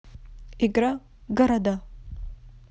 игра города